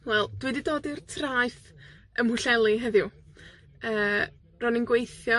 Wel, dwi 'di dod i'r traeth ym Mhwllheli heddiw. Yy, ro'n i'n gweithio